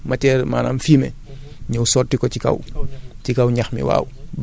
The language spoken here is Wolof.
nattaat sama ñaari brouettes matière maanaam fumier